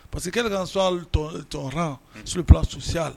Parce que kɛlen ka so susi la